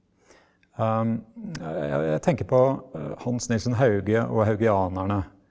jeg tenker på Hans Nilsen Hauge og haugianerne.